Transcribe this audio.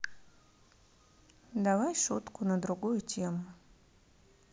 давай шутку на другую тему